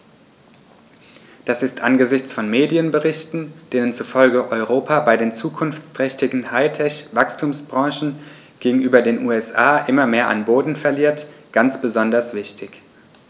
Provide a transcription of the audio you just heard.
Das ist angesichts von Medienberichten, denen zufolge Europa bei den zukunftsträchtigen High-Tech-Wachstumsbranchen gegenüber den USA immer mehr an Boden verliert, ganz besonders wichtig.